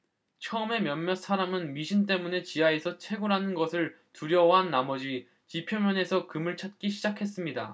처음에 몇몇 사람은 미신 때문에 지하에서 채굴하는 것을 두려워한 나머지 지표면에서 금을 찾기 시작했습니다